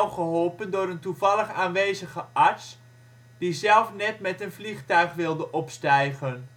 geholpen door een toevallig aanwezige arts die zelf net met een vliegtuig wilde opstijgen